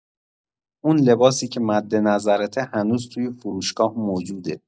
اون لباسی که مدنظرته هنوز توی فروشگاه موجوده.